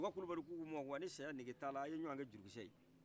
duga kulubali ko u ma ni saya nege tɛ aw la a ye ɲɔgɔn kɛ jurukisɛ ye